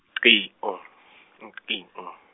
qing-, nqing-.